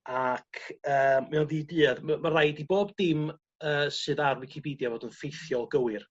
ac yy mae o'n ddiduedd my- ma' raid i bob dim yy sydd ar Wicipeidia fod yn ffeithiol gywir.